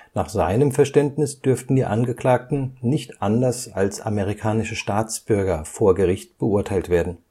Nach seinem Verständnis dürften die Angeklagten nicht anders als amerikanische Staatsbürger vor Gericht beurteilt werden